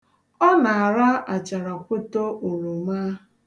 Ọ na-ara acharakwoto oroma.